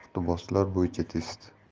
iqtiboslar bo'yicha test